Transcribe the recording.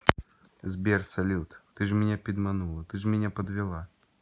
сбер салют ты ж меня пидманула ты ж меня подвела